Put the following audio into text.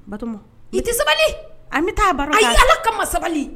Batoma i tɛ sabali an bɛ taa bara k'a f ayii Ala kama sabali